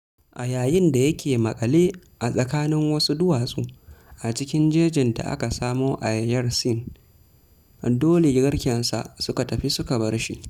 A yayin da yake maƙale a tsakanin wasu duwatsu a cikin jejin da aka samo Ayeyar sein, dole garkensa suka tafi suka bar shi.